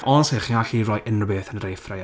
Honestly chi'n gallu rhoi unrhyw beth yn yr airfyer.